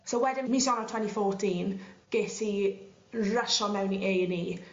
so wedyn mis Ionawr tweny fourteen ges i rysho mewn i Ay an' Ee.